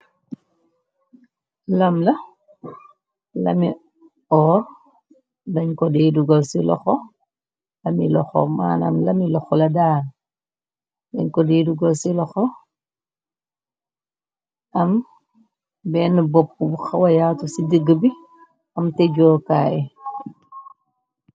Lam la , lami oor dañ ko deedugol ci loxo , ami loxo maanam lami loxo la daal. Dañ ko deedugol ci loxo am bena bopp bu xawayaatu ci dëgg bi, am te jookaay.